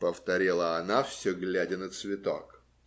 - повторила она, все глядя на цветок.